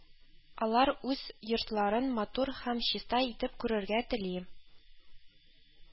Алар үз йортларын матур һәм чиста итеп күрергә тели